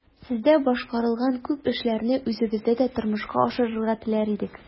Сездә башкарылган күп эшләрне үзебездә дә тормышка ашырырга теләр идек.